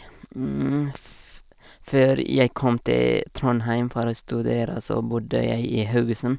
f Før jeg kom til Trondheim for å studere, så bodde jeg i Haugesund.